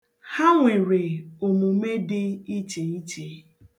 Ha nwere omume dị ichiiche.